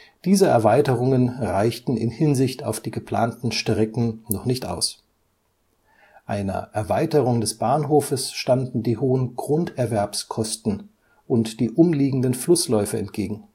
Diese Erweiterungen reichten in Hinsicht auf die geplanten Strecken noch nicht aus. Einer Erweiterung des Bahnhofes standen die hohen Grunderwerbskosten und die umliegenden Flussläufe entgegen